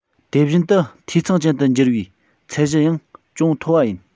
དེ བཞིན དུ འཐུས ཚང ཅན དུ འགྱུར པའི ཚད གཞི ཡང ཅུང མཐོ བ ཡིན